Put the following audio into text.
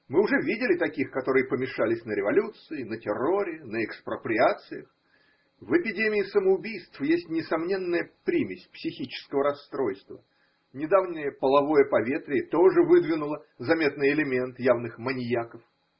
Мы уже видели таких, которые помешались на революции, на терроре, на экспроприациях: в эпидемии самоубийств есть несомненная примесь психического расстройства: недавнее половое поветрие тоже выдвинуло заметный элемент явных маньяков.